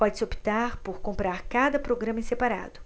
pode-se optar por comprar cada programa em separado